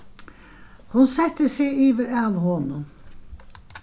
hon setti seg yvir av honum